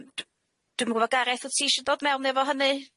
Yym d- dwi'm yn gwbo Gareth wt ti isio dod mewn efo hynny?